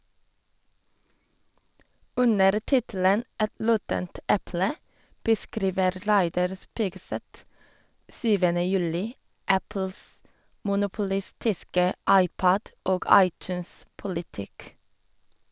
Under tittelen «Et råttent eple» beskriver Reidar Spigseth 7. juli Apples monopolistiske iPod- og iTunes-politikk.